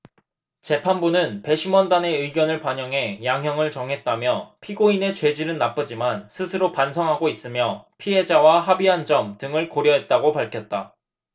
재판부는 배심원단의 의견을 반영해 양형을 정했다며 피고인의 죄질은 나쁘지만 스스로 반성하고 있으며 피해자와 합의한 점 등을 고려했다고 밝혔다